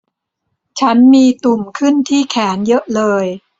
ฉันมีตุ่มขึ้นที่แขนเยอะเลย